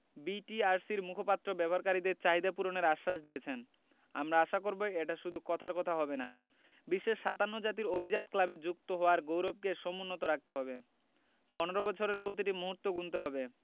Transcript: বিটিআরসির মুখপাত্র ব্যবহারকারীদের চাহিদা পূরণের আশ্বাস দিয়েছেন আমরা আশা করব এটা শুধু কথার কথা হবে না বিশ্বের ৫৭ জাতির অভিজাত ক্লাবে যুক্ত হওয়ার গৌরবকে সমুন্নত রাখতে হবে ১৫ বছরের প্রতিটি মুহূর্ত গুনতে হবে